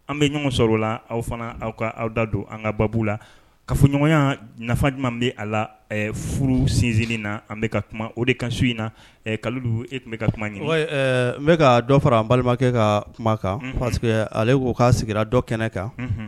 An bɛ ɲɔgɔn sɔrɔ la aw fana aw ka aw da don an ka baabu la k kaa fɔ ɲɔgɔnya nafafaji bɛ a la furu sinsin na an bɛka ka kuma o de kanso in na ka e tun bɛ ka kuma ɲini n bɛka ka dɔ fara balimakɛ ka kuma kan parce que ale k'o ka sigi dɔ kɛnɛ kan